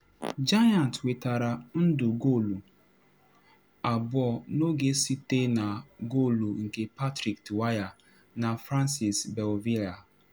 Giants nwetara ndu goolu abụọ n’oge site na goolu nke Patrick Dwyer na Francis Beauvillier.